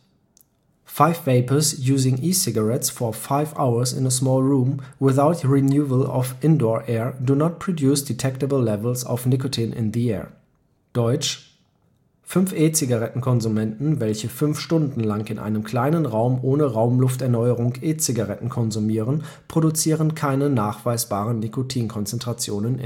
5 vapers using e-cigarettes for 5h in a small room without renewal of indoor air do not produce detectable levels of nicotine in the air.” „ 5 E-Zigarettenkonsumenten, welche 5 Stunden lang in einem kleinen Raum ohne Raumlufterneuerung E-Zigaretten konsumieren, produzieren keine nachweisbaren Nikotinkonzentrationen